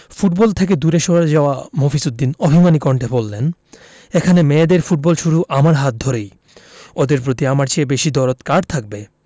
football থেকে দূরে সরে যাওয়া মফিজ উদ্দিন অভিমানী কণ্ঠে বললেন এখানে মেয়েদের ফুটবল শুরু আমার হাত ধরেই ওদের প্রতি আমার চেয়ে বেশি দরদ কার থাকবে